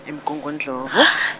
eMgungundlovu .